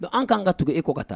An ka kan ka tugu e ko ka taa